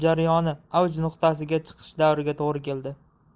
jarayoni avj nuqtasiga chiqish davriga to'g'ri keldi